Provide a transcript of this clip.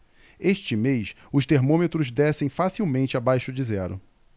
este mês os termômetros descem facilmente abaixo de zero